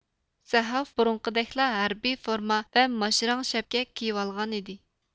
سەھاف بۇرۇنقىدەكلا ھەربىي فورما ۋە ماشرەڭ شەپكە كىيىۋالغان ئىدى